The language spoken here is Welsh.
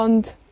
Ond